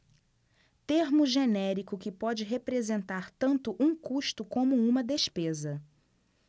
termo genérico que pode representar tanto um custo como uma despesa